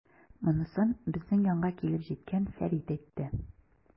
Монысын безнең янга килеп җиткән Фәрит әйтте.